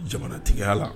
Jamanatigɛya la